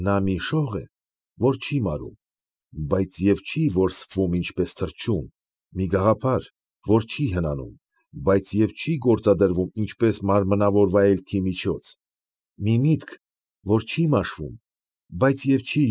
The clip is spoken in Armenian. Նա մի շող է, որ չի մարում, բայց և չի որսվում ինչպես թռչուն, մի գաղափար, որը չի հնանում, բայց և չի գործադրվում ինչպես մարմնավոր վայելքի միջոց, մի միտք, որ չի մաշվում, բայց և չի։